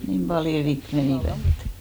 niin paljon rikki menivät että